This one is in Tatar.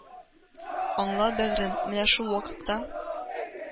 Аңла, бәгърем, менә шул вакытта,